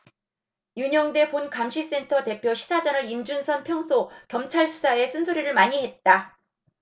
윤영대 본감시센터 대표 시사저널 임준선 평소 검찰수사에 쓴소리를 많이 했다